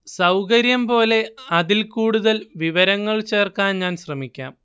സൗകര്യം പോലെ അതിൽ കൂടുതൽ വിവരങ്ങൾ ചേർക്കാൻ ഞാൻ ശ്രമിക്കാം